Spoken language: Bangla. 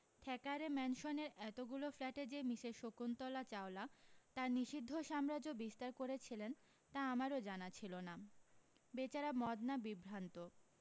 থ্যাকারে ম্যানসনের এতোগুলো ফ্ল্যাটে যে মিসেস শকুন্তলা চাওলা তার নিসিদ্ধ সাম্রাজ্য বিস্তার করেছিলেন তা আমারও জানা ছিল না বেচারা মদনা বিভ্রান্ত